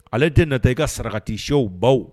Ale tɛ nata i ka sarakati siw baw